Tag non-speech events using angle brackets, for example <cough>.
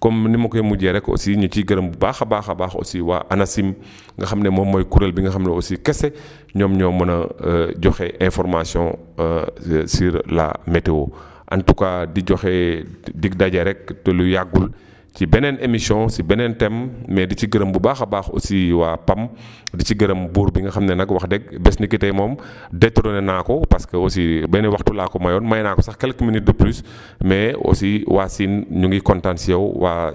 comme ni ma koy mujjee rekk aussi ñu ciy gërëm bu baax a baax aussi ANACIM <breath> nga xam ne moom mooy kuréel bi nga xam ne aussi kese <breath> ñoom ñoo mën a <hesitation> joxe information <hesitation> sur la météo <breath> en tout cas di joxe <hesitation> dig daje te lu yàggul <breath> ci beneen émission si beneen thème mais di ci gërëm bu baax a baax aussi waa PAM <breath> di ci gërëm buur bi nga xam ne nag wax dëgg bés ni ki tay moom <breath> detrôné ne naa ko parce que aussi benn waxtu laa ko mayoon may naa ko sax quelques minutes de plus <breath> mais aussi waa Sine ñu ngi kontaan si yow waa